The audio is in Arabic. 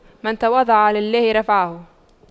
من تواضع لله رفعه